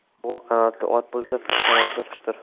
o'g'il qanotli ot bo'lsa qiz qanotli qushdir